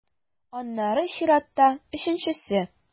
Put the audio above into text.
Аннары чиратта - өченчесе.